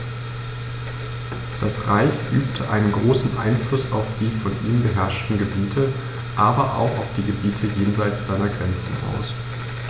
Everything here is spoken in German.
Das Reich übte einen großen Einfluss auf die von ihm beherrschten Gebiete, aber auch auf die Gebiete jenseits seiner Grenzen aus.